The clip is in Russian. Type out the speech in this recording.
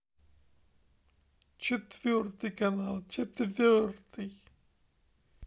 четвертый канал четвертый